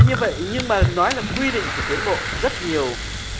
như vậy nhưng mà nói là quy định thì tiến bộ rất nhiều